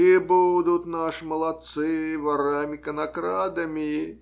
И будут наши молодцы ворами-конокрадами